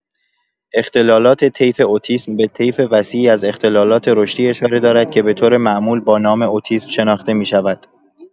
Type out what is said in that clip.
اختلالات طیف اتیسم به طیف وسیعی از اختلالات رشدی اشاره دارد که به‌طور معمول با نام اتیسم شناخته می‌شود.